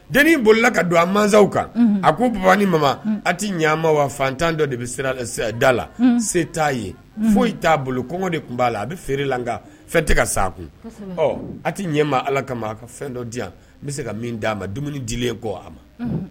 Dennin bolila ka don a masaw kan a ko baba mama a tɛ ɲɛaama wa fantan dɔ de bɛ siran da la se t'a ye foyi t'a bolo kɔngɔ de tun b'a la a bɛ feere la fɛn tɛ ka sa kun ɔ a tɛ ɲɛmaa ala kama a ka fɛn dɔ di yan n bɛ se ka min d'a ma dumuni di ye kɔ a ma